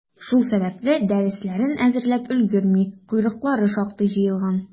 Шул сәбәпле, дәресләрен әзерләп өлгерми, «койрыклары» шактый җыелган.